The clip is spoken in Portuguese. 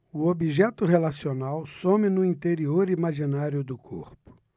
o objeto relacional some no interior imaginário do corpo